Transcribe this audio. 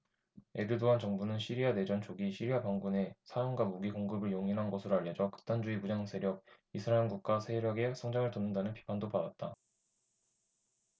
에르도안 정부는 시리아 내전 초기 시리아 반군에 사람과 무기 공급을 용인한 것으로 알려져 극단주의 무장세력 이슬람국가 세력의 성장을 돕는다는 비판도 받았다